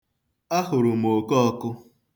Ahụrụ m okọọkụ.